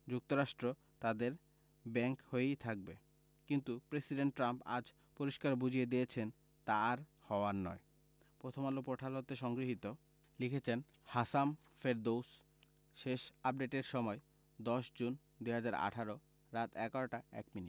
যুক্তরাষ্ট্র তাদের ব্যাংক হয়েই থাকবে কিন্তু প্রেসিডেন্ট ট্রাম্প আজ পরিষ্কার বুঝিয়ে দিয়েছেন তা আর হওয়ার নয় প্রথমআলো পোর্টাল হতে সংগৃহীত লিখেছেন হাসাম ফেরদৌস শেষ আপডেটের সময় ১০ জুন ২০১৮ রাত ১১টা ১ মিনিট